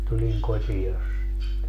tulin kotia sitten